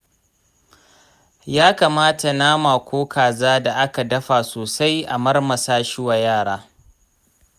ya kamata nama ko kaza da aka dafa sosai a marmasa shi wa yara.